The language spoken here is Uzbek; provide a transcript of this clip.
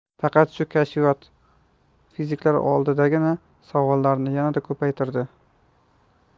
faqat bu kashfiyot fiziklar oldidagi savollarni yanada ko'paytirdi